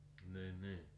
niin niin